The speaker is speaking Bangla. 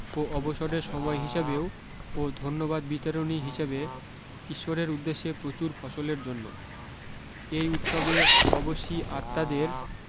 ও অবসরের সময় হিসাবেও ও ধন্যবাদ বিতরনী হিসাবে ঈশ্বরের উদ্দেশ্যে প্রচুর ফসলের জন্য এই উৎসবে অবশ্যি আত্মাদের